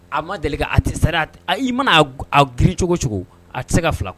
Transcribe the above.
A ma deli ka c'est à dire i mana a girin cogo o cogo a tɛ se ka fila